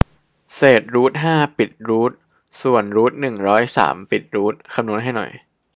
เศษรูทห้าปิดรูทส่วนรูทหนึ่งร้อยสามปิดรูทคำนวณให้หน่อย